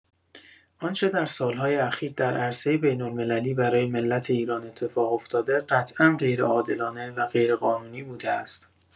آنچه در سال‌های اخیر در عرصه بین‌المللی برای ملت ایران اتفاق افتاده قطعا غیرعادلانه و غیرقانونی بوده است.